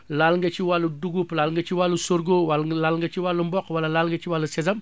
laal nga ci wàllu dugub laal nga ci wàllu sorgho wàll laal nga ci wàllum mboq wala laal nga ci wàllu sesam